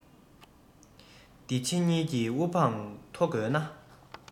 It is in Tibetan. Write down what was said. འདི ཕྱི གཉིས ཀྱི དབུ འཕངས མཐོ དགོས ན